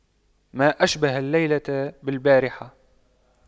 ما أشبه الليلة بالبارحة